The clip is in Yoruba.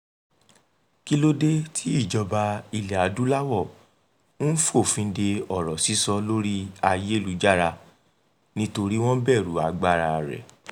Kí ló dé tí ìjọba Ilẹ̀-Adúláwọ̀ ń f'òfin de ọ̀rọ̀ sísọ orí-ayélujára? Nítorí wọ́n bẹ̀rù agbára rẹ̀.